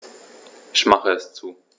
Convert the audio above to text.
Ich mache es zu.